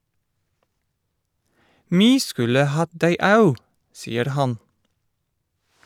"Mi skulle hatt dei au", sier han.